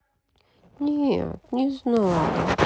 нет не знала